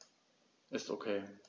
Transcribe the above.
Ist OK.